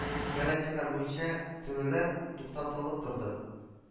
Гарантияләр буенча түләүләр туктатылып торды